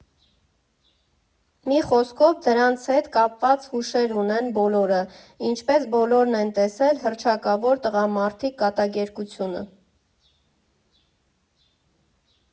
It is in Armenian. Մի խոսքով, դրանց հետ կապված հուշեր ունեն բոլորը (ինչպես բոլորն են տեսել հռչակավոր «Տղամարդիկ» կատակերգությունը)։